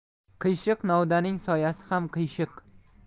qiyshiq novdaning soyasi ham qiyshiq